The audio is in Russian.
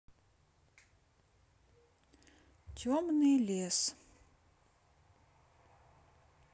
темный лес